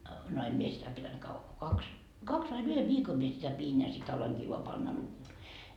no en minä sitä pitänyt kauan kun kaksi kaksi vain yhden viikon minä sitä pidin ja sitten aloinkin vain panna -